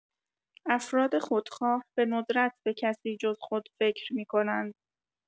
افراد خودخواه به‌ندرت به کسی جز خود فکر می‌کنند.